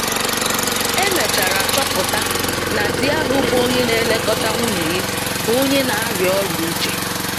E mechara chọpụta na di ahụ bụ onye na-elekọta nwunye ya, bụ onye na-arịa ọrịa uche.